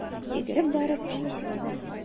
Йөгереп барып әнисен үбә.